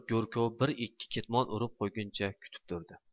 go'rkov bir ikki ketmon urib qo'yguncha kutib turdi